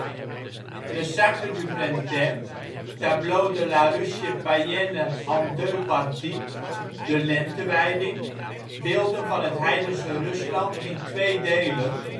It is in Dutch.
du Printemps - Tableaux de la Russie païenne en deux parties (De Lentewijding - Beelden van het heidense Rusland in twee delen